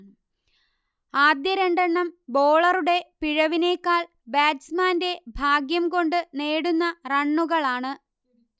ആദ്യ രണ്ടെണ്ണം ബോളറൂടെ പിഴവിനേക്കാൾ ബാറ്റ്സ്മാന്റെ ഭാഗ്യംകൊണ്ടു നേടുന്ന റണ്ണുകളാണ്